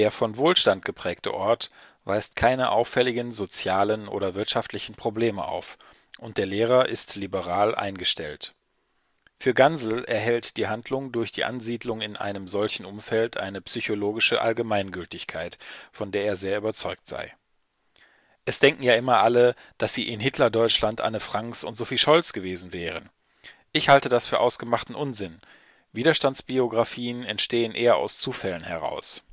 von Wohlstand geprägte Ort weist keine auffälligen sozialen oder wirtschaftlichen Probleme auf, und der Lehrer ist liberal eingestellt. Für Gansel erhält die Handlung durch die Ansiedlung in einem solchen Umfeld eine psychologische Allgemeingültigkeit, von der er sehr überzeugt sei. „ Es denken ja immer alle, dass sie in Hitler-Deutschland Anne Franks und Sophie Scholls gewesen wären. Ich halte das für ausgemachten Unsinn. Widerstandsbiografien entstehen eher aus Zufällen heraus